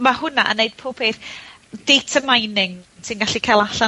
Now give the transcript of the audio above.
Ma' hwnna yn neud pob peth, data mining ti'n gallu ca'l allan...